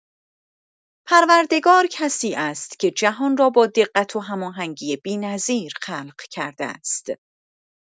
پروردگار کسی است که جهان را با دقت و هماهنگی بی‌نظیر خلق کرده است.